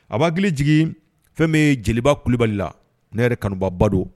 A ban hakili jigin fɛn min ye jeliba kulubali la. Ne yɛrɛ kanuba ba don.